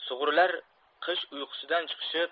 sug'urlar qish uyqusidan chiqishib